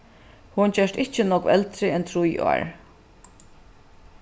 hon gerst ikki nógv eldri enn trý ár